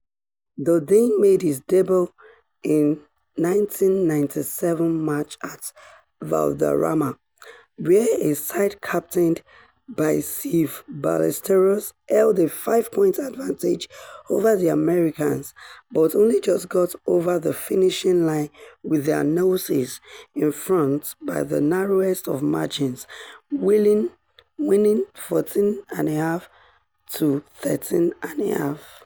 The Dane made his debut in the 1997 match at Valderrama, where a side captained by Seve Ballesteros held a five-point advantage over the Americans but only just got over the finishing line with their noses in front by the narrowest of margins, winning 14½-13½.